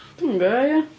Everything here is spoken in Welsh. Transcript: Dwi'm yn gwbod, ia.